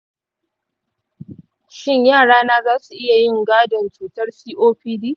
shin yarana zasu iya yin gadon cutar copd?